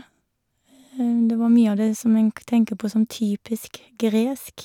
Det var mye av det som en k tenker på som typisk gresk.